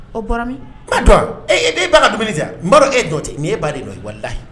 O bɔra min? N b'a dɔn wa? E e ba ka dumuni tɛ wa? N b'a dɔn e de nɔn tɛ, ni y'e ba de nɔn ye. Walihi!